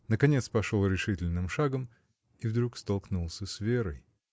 Наконец пошел решительным шагом — и вдруг столкнулся с Верой.